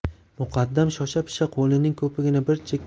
muqaddam shoshapisha qo'lining ko'pigini bir